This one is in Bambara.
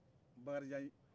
bakarijan ye